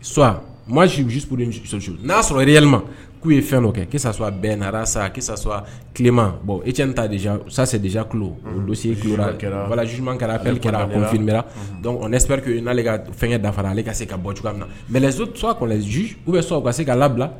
Su maasiur su n'a y'a sɔrɔ eyli ma k'u ye fɛn dɔ kɛ ki a bɛɛ narasa ki tilema e cɛ ta sasedz kilo olu kɛra vzuma kɛrafinpereki n'ale ka fɛnkɛ dafara ale ka se ka bɔ cogoya na mɛ su uu bɛ sa ka se k ka labila